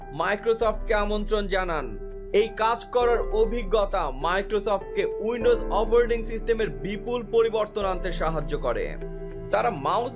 মাইক্রোসফটকে আমন্ত্রণ জানান এই কাজ করার অভিজ্ঞতা মাইক্রোসফটকে উইন্ডোজ অপারেটিং সিস্টেমের বিপুল পরিবর্তন আনতে সাহায্য করে তারা মাউস